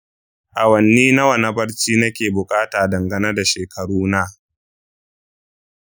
awanni nawa na barci nake buƙata dangane da shekaruna?